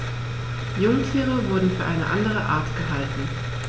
Jungtiere wurden für eine andere Art gehalten.